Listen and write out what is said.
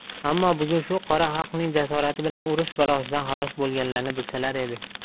ammo bugun shu qora xalqning jasorati bilan urush balosidan xalos bo'lganlarini bilsalar edi